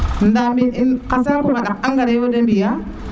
na mbin in xa saaku xaɗank ko biya